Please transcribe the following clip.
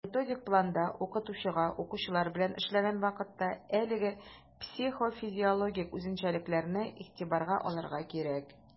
Методик планда укытучыга, укучылар белән эшләгән вакытта, әлеге психофизиологик үзенчәлекләрне игътибарга алырга кирәк.